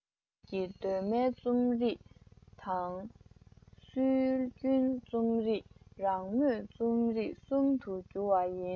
བོད ཀྱི གདོད མའི རྩོམ རིག དང སྲོལ རྒྱུན རྩོམ རིག རང མོས རྩོམ རིག གསུམ དུ འདུ བ ཡིན